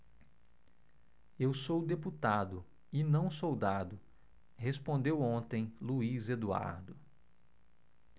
eu sou deputado e não soldado respondeu ontem luís eduardo